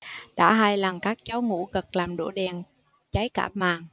đã hai lần các cháu ngủ gật làm đổ đèn cháy cả màn